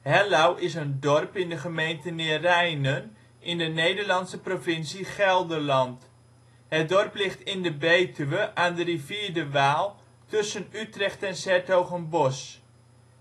Hellouw is een dorp in de gemeente Neerijnen, in de Nederlandse provincie Gelderland. Het dorp ligt in de Betuwe, aan de rivier de Waal, tussen Utrecht en ' s-Hertogenbosch.